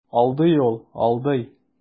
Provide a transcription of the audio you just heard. Алдый ул, алдый.